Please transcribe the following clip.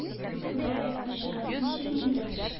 - күбәләк очыр. ничек инде?